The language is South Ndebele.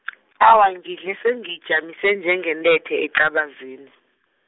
awa ngidle sengiyijamise njengentethe ecabazini.